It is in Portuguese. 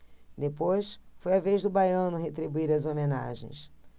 depois foi a vez do baiano retribuir as homenagens